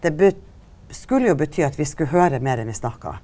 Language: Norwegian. det skulle jo bety at vi skulle høyra meir enn vi snakkar.